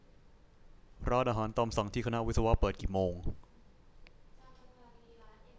ร้านอาหารตามสั่งที่คณะวิศวะเปิดกี่โมง